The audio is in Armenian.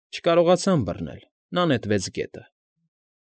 Չկարողացան բռնել, նա նետվեց գետը։